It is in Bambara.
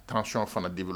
Tension fana dévelo